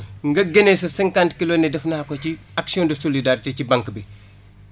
nga génneesa cinquante kilos :fre ne def naa ko ci action de solidarité ci banque bi